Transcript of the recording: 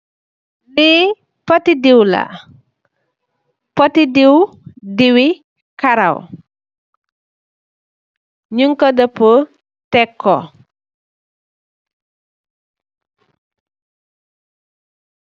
Li poti diw la, poti diw wi karaw. Ñiñ ko dapu tèg ko.